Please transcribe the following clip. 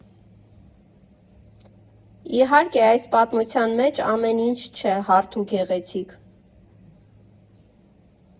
Իհարկե, այս պատմության մեջ ամեն ինչ չէ հարթ ու գեղեցիկ։